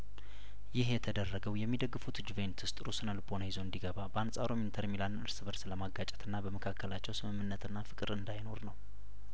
ይህ የተደረገው የሚደግፉት ጁቬንትስ ጥሩ ስነልቦና ይዞ እንዲ ገባ በአንጻሩም ኢንተር ሚላንን እርስ በእርስ ለማጋጨትና በመካከላቸው ስምምነትና ፍቅር እንዳይኖር ነው